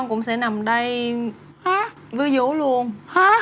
cũng sẽ nằm đây với vú luôn